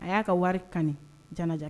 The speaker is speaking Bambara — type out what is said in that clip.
A y'a ka wari ka jja kɛ